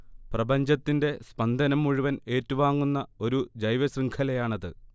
പ്രപഞ്ചത്തിന്റെ സ്പന്ദനം മുഴുവൻ ഏറ്റുവാങ്ങുന്ന ഒരു ജൈവശൃംഖലയാണത്